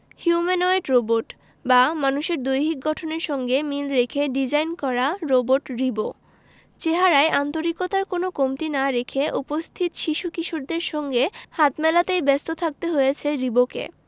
humanoid robot বা মানুষের দৈহিক গঠনের সঙ্গে মিল রেখে ডিজাইন করা রোবট রিবো চেহারায় আন্তরিকতার কোনো কমতি না রেখে উপস্থিত শিশু কিশোরদের সঙ্গে হাত মেলাতেই ব্যস্ত থাকতে হয়েছে রিবোকে